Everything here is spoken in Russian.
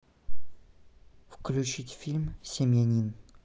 включить фильм семьянин